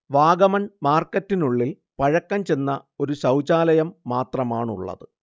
വാഗമൺ മാർക്കറ്റിനുള്ളിൽ പഴക്കം ചെന്ന ഒരു ശൗചാലയം മാത്രമാണുള്ളത്